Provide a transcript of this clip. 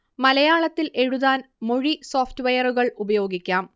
മലയാളത്തിൽ എഴുതാൻ മൊഴി സോഫ്റ്റ്വെയറുകൾ ഉപയോഗിക്കാം